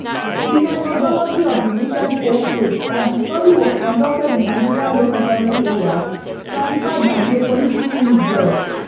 The methodology of the recent poll states that the study was conducted in Nigerian "local government areas stratified by geopolitical region".